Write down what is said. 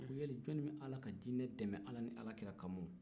ko hali jɔn bɛ ala ka dinɛ dɛmɛ ala ni alakira kama